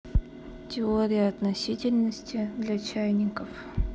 теория относительности для чайников